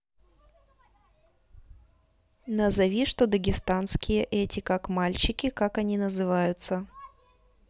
назови что дагестанские эти как мальчики как они называются